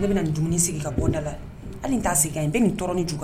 ne bɛna dumuni sigi ka bɔda la hali ta sigi ka ɲi bɛ nin dɔrɔn jo